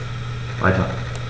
Weiter.